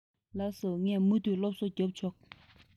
ལགས སོ ངས མུ མཐུད སློབ གསོ རྒྱབ ཆོག